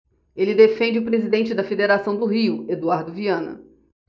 ele defende o presidente da federação do rio eduardo viana